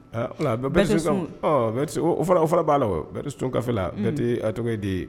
O fana b'a la tɛ sɔnkafe la tɔgɔ ye de ye